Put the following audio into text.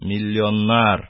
Миллионнар,